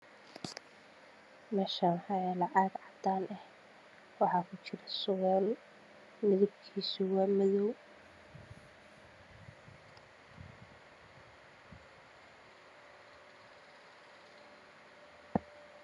Meshaan waxa yaalo caag cadaan waxa ku jiro surwaal midabkiisu waa madow